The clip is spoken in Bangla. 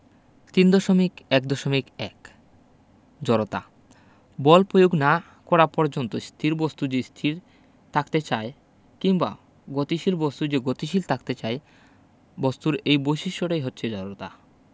৩.১.১ জড়তা বল পয়োগ না করা পর্যন্ত স্থির বস্তু যে স্থির থাকতে চায় কিংবা গতিশীল বস্তু যে গতিশীল থাকতে চায় বস্তুর এই বৈশিষ্ট্যটাই হচ্ছে জড়তা